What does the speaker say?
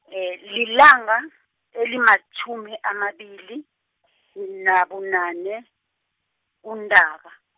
lilanga, elimatjhumi amabili , nabunane, kuNtaka.